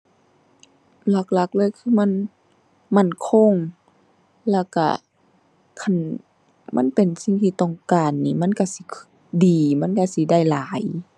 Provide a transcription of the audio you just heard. หลักหลักเลยคือมันมั่นคง แล้วก็ คันมันเป็นสิ่งที่ต้องการนี่มันก็สิ ดีมันก็สิได้หลาย